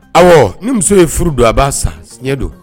Awɔ ni muso ye furu don a b'a sa, siɲɛ don.